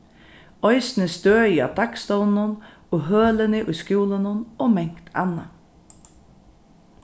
eisini støðið á dagstovnunum og hølini í skúlunum og mangt annað